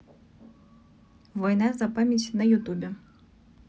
война за память на ютубе